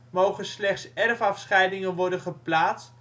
mogen slechts erfafscheidingen worden geplaatst